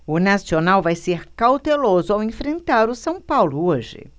o nacional vai ser cauteloso ao enfrentar o são paulo hoje